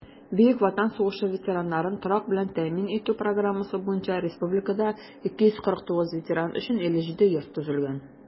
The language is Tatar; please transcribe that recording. Бөек Ватан сугышы ветераннарын торак белән тәэмин итү программасы буенча республикада 249 ветеран өчен 57 йорт төзелгән.